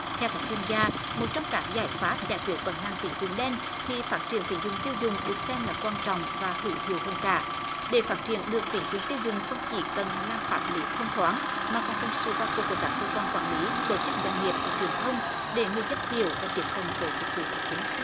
theo các chuyên gia một trong các giải pháp giải quyết vấn nạn tín dụng đen thì phát triển tín dụng tiêu dùng được xem là quan trọng và hữu hiệu hơn cả để phát triển được tín dụng tiêu dùng không chỉ cần hàng lang pháp lý thông thoáng mà còn cần sự vào cuộc của các cơ quan quản lý tổ chức doanh nghiệp và truyền thông để người dân hiểu và tiếp cận với dịch vụ tài chính